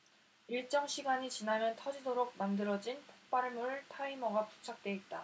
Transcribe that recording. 일정 시간이 지나면 터지도록 만들어진 폭발물 타이머가 부착돼 있다